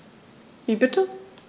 Wie bitte?